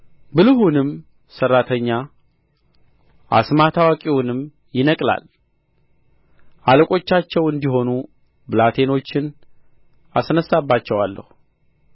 ብልሁንም ሠራተኛ አስማት አዋቂውንም ይነቅላል አለቆቻቸው እንዲሆኑ ብላቴኖችን አስነሣባቸዋለሁ